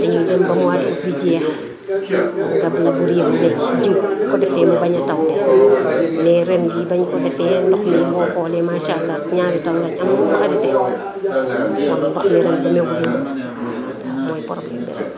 dañuy dem ba mois aôut bi jeex nga buddi yëpp béy jiw su ko defee mu bañ a tawte mais ren jii bañ ko defee ndaox mi boo xoolee macha allah ñaari taw la ñu am mu arreté kon ndox mi ren demeewul noonu mooy problème bi ren